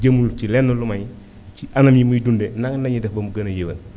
jëmul ci lenn lu moy ci anam yi muy dundee nan lañuy def ba mu gën a yéwén